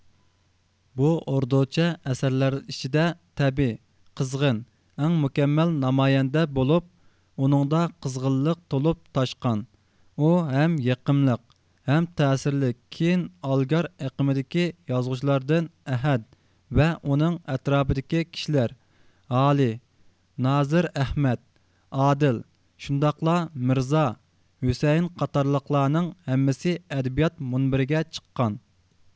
بۇ ئوردۇچە ئەسەرلەر ئىچىدە تەبىئىي قىزغىن ئەڭ مۇكەممەل نامايەندە بولۇپ ئۇنىڭدا قىزغىنلىق تولۇپ تاشقان ئۇ ھەم يېقىملىق ھەم تەسىرلىك كېيىن ئالىگار ئېقىمىدىكى يازغۇچىلاردىن ئەھەد ۋە ئۇنىڭ ئەتراپىدىكى كىشىلەر ھالى نازىر ئەھمەد ئادىل شۇنداقلا مىرزا ھۈسەيىن قاتارلىقلارنىڭ ھەممىسى ئەدەبىيات مۇنبىرىگە چىققان